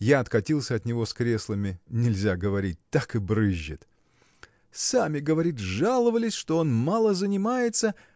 Я откатился от него с креслами – нельзя говорить: так и брызжет. Сами говорит жаловались что он мало занимается